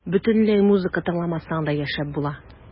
Бөтенләй музыка тыңламасаң да яшәп була.